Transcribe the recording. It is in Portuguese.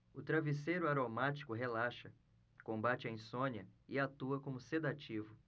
o travesseiro aromático relaxa combate a insônia e atua como sedativo